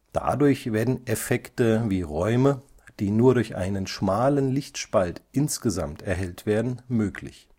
Dadurch werden Effekte wie Räume, die nur durch einen schmalen Lichtspalt insgesamt erhellt werden, möglich